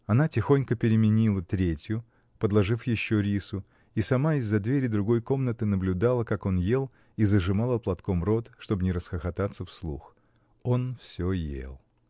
Она тихонько переменила третью, подложив еще рису, и сама из-за двери другой комнаты наблюдала, как он ел, и зажимала платком рот, чтоб не расхохотаться вслух. Он всё ел.